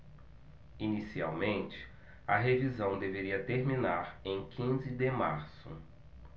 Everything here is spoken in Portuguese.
inicialmente a revisão deveria terminar em quinze de março